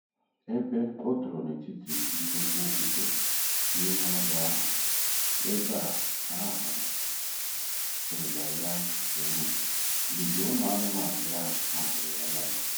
Ebe ọ tọrọ n'etiti nnukwu okwute n'ime ọhịa ahụ ebe a hụrụ Ayeyar Sein, ìgwè ụmụanụmanụ ya hapụrụ ya laa.